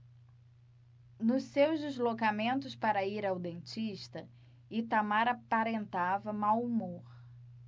nos seus deslocamentos para ir ao dentista itamar aparentava mau humor